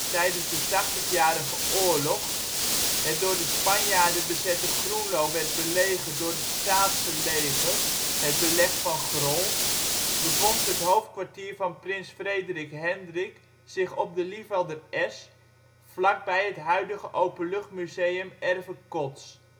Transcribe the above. tijdens de Tachtigjarige Oorlog, het door de Spanjaarden bezette Groenlo werd belegerd door het Staatse leger (Beleg van Grol), bevond het hoofdkwartier van prins Frederik Hendrik zich op de Lievelder Es (vlak bij het huidige openluchtmuseum Erve Kots